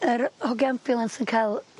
yr hogia ambiwlans yn ca'l